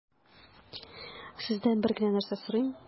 Сездән бер генә нәрсә сорыйм: